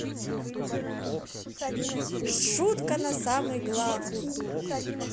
шутка на самый главный